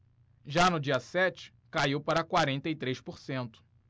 já no dia sete caiu para quarenta e três por cento